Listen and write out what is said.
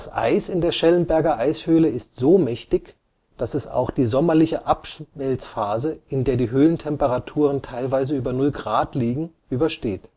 Eis in der Schellenberger Eishöhle ist so mächtig, dass es auch die sommerliche Abschmelzphase, in der die Höhlentemperaturen teilweise über Null Grad liegen, übersteht